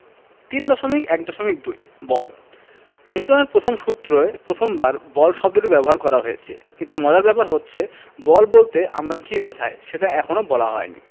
3.1.2 বল নিউটনের প্রথম সূত্রে প্রথমবার বল শব্দটা ব্যবহার করা হয়েছে কিন্তু মজার ব্যাপার হচ্ছে বল বলতে আমরা কী বোঝাই সেটা এখনো বলা হয়নি